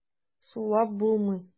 Сулап булмый.